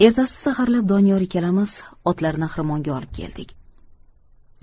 ertasi saharlab doniyor ikkalamiz otlarni xirmonga olib keldik